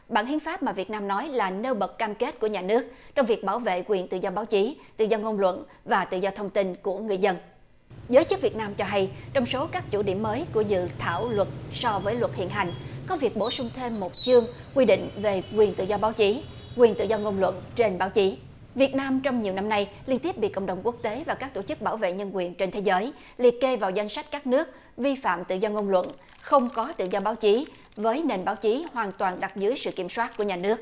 bản hiến pháp mà việt nam nói là nêu bật cam kết của nhà nước trong việc bảo vệ quyền tự do báo chí tự do ngôn luận và tự do thông tin của người dân giới chức việt nam cho hay trong số các chủ điểm mới của dự thảo luật so với luật hiện hành có việc bổ sung thêm một chương quy định về quyền tự do báo chí quyền tự do ngôn luận trên báo chí việt nam trong nhiều năm nay liên tiếp bị cộng đồng quốc tế và các tổ chức bảo vệ nhân quyền trên thế giới liệt kê vào danh sách các nước vi phạm tự do ngôn luận không có tự do báo chí với nền báo chí hoàn toàn đặt dưới sự kiểm soát của nhà nước